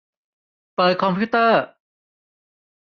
เปิดคอมพิวเตอร์